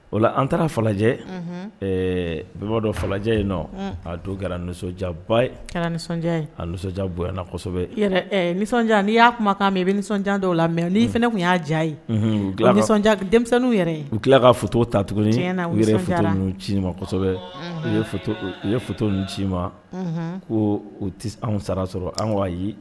O la an taara falajɛ ɛɛ bɛɛbadɔ falajɛ in a don kɛra nisɔndiyaba kɛra nisɔndiya nisɔndiya bonanasɛbɛ nisɔnjan n'i y'a kumakan min i bɛ nisɔnjan dɔw la mɛ n'i fana tun y'a jaabi ye u nisɔn denmisɛnninw yɛrɛ u tila ka futa ta tuguni u yɛrɛ ninnu ci ma u u ye fu ninnu ci ma ko anw sara sɔrɔ an ayi ye